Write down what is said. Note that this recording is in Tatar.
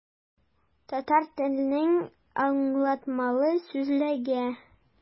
Татар теленең аңлатмалы сүзлеге.